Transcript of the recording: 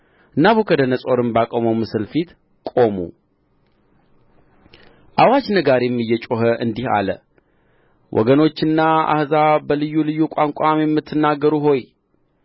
ናቡከደነፆርም ባቆመው ምስል ፊት ቆሙ አዋጅ ነጋሪውም እየጮኸ እንዲህ አለ ወገኖችና አሕዛብ በልዩ ልዩ ቋንቋም የምትናገሩ ሆይ